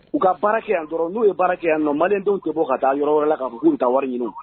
U ka baara kɛ yan dɔrɔn n'u ye baara kɛ yan nɔ mandendenw tɛ bɔ ka taa yɔrɔ wɛrɛ la k kaa k'u ta wari ɲini